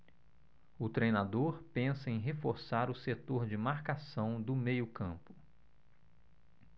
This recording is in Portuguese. o treinador pensa em reforçar o setor de marcação do meio campo